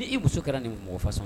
Ni ii muso kɛra nin mɔgɔ fa sɔn